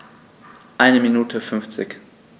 Eine Minute 50